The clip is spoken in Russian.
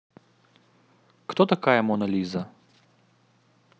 кто такая мона лиза